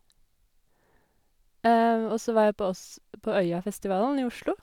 Og så var jeg på oss på Øyafestivalen i Oslo.